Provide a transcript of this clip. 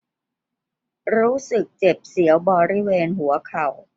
รู้สึกเจ็บเสียวบริเวณหัวเข่า